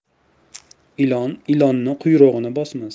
ilon ilonning quyrug'ini bosmas